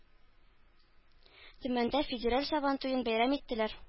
Төмәндә федераль Сабантуен бәйрәм иттеләр